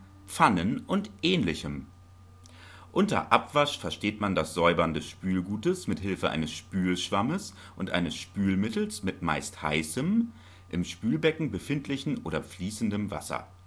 Pfannen und Ähnlichem. Unter Abwasch versteht man das Säubern des Spülgutes mit Hilfe eines Spülschwammes und eines Spülmittels mit meist heißem, im Spülbecken befindlichen oder fließendem Wasser